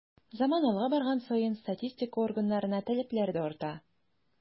Заман алга барган саен статистика органнарына таләпләр дә арта.